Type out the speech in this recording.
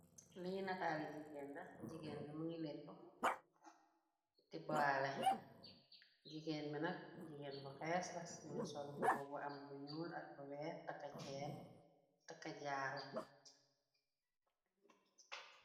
Lii nataali jigéen la jigéen bi ma ngi lettu ti baale jigéen bi nag jigéen bu xees la muni sol buba bu am lu ñuul ak bu weex taka ceen taka jaaru.